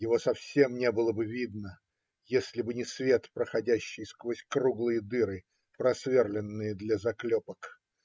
Его совсем не было бы видно, если бы не свет, проходящий сквозь круглые дыры, просверленные для заклепок.